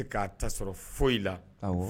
A bɛ k'a ta sɔrɔ fosi la, awɔ.